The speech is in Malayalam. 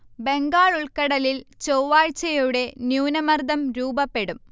ബംഗാൾ ഉൾക്കടലിൽ ചൊവ്വാഴ്ചയോടെ ന്യൂനമർദം രൂപപ്പെടും